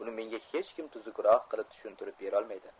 buni menga hech kim tuzukroq qilib tushuntirib berolmaydi